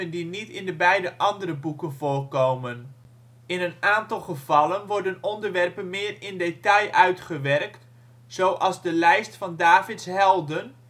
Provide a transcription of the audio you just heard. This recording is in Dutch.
die niet in de beide andere boeken voorkomen. In een aantal gevallen worden onderwerpen meer in detail uitgewerkt, zoals de lijst van Davids helden